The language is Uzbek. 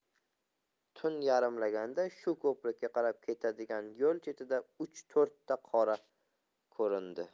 tun yarimlaganda shu ko'prikka qarab ketadigan yo'l chetida uch to'rtta qora ko'rindi